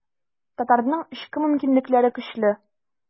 Татарның эчке мөмкинлекләре көчле.